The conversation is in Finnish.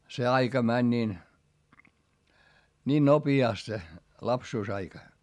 se aika meni niin niin nopeasti se lapsuusaika